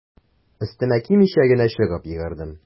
Өстемә кимичә генә чыгып йөгердем.